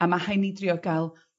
A ma' rhai' ni drio ga'l